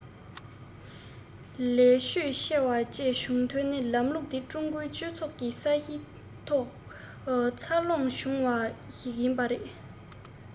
ལས ཕྱོད ཆེ བ བཅས བྱུང དོན ནི ལམ ལུགས དེ ཀྲུང གོའི སྤྱི ཚོགས ཀྱི ས གཞིའི ཐོག འཚར ལོངས བྱུང བ ཞིག ཡིན པས རེད